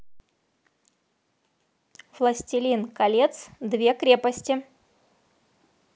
властелин колец две крепости